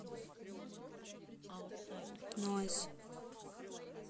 noize